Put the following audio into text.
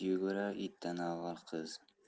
yugurar itdan avval qiz